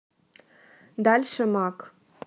дальше мак